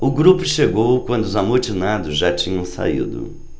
o grupo chegou quando os amotinados já tinham saído